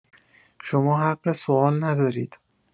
شما حق سوال ندارید.